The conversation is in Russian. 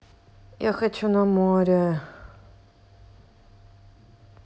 я хочу на море